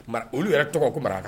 Olu yɛrɛ tɔgɔ mara kan